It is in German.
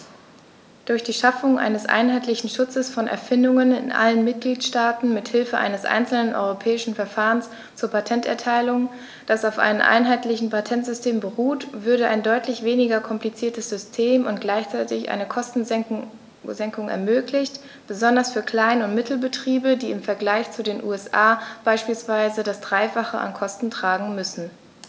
Durch die Schaffung eines einheitlichen Schutzes von Erfindungen in allen Mitgliedstaaten mit Hilfe eines einzelnen europäischen Verfahrens zur Patenterteilung, das auf einem einheitlichen Patentsystem beruht, würde ein deutlich weniger kompliziertes System und gleichzeitig eine Kostensenkung ermöglicht, besonders für Klein- und Mittelbetriebe, die im Vergleich zu den USA beispielsweise das dreifache an Kosten tragen müssen.